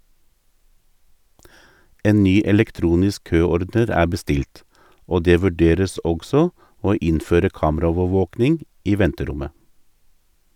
En ny elektronisk køordner er bestilt, og det vurderes også å innføre kameraovervåking i venterommet.